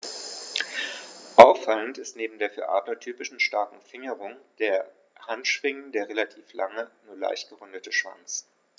Auffallend ist neben der für Adler typischen starken Fingerung der Handschwingen der relativ lange, nur leicht gerundete Schwanz.